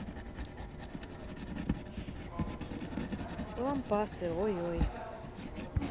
лампасы ой ой